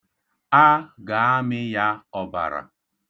A ga-amị ya ọbara.